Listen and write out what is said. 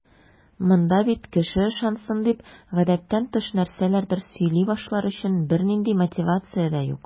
Монда бит кеше ышансын дип, гадәттән тыш нәрсәләрдер сөйли башлар өчен бернинди мотивация дә юк.